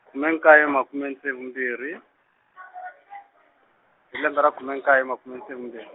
khume nkaye makume ntsevu mbirhi , hi lembe ra khume nkaye makume ntsevu ntsev-.